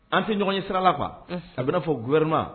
An fɛ ɲɔgɔn ye siralafa a bɛ fɔ guɛma